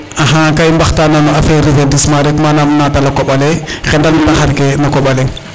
Axa ka i mbaxtanaa no affaire reverdissement rek manam natala koƥ ale xendan taxar ke na koƥ ale.